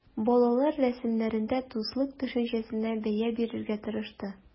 Балалар рәсемнәрендә дуслык төшенчәсенә бәя бирергә тырышты.